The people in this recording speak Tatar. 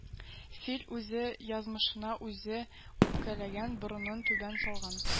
Фил үз язмышына үзе үпкәләгән, борынын түбән салган.